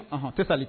Ahɔn tɛ sali